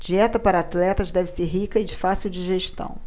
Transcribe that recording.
dieta para atletas deve ser rica e de fácil digestão